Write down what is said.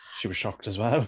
She was shocked as well.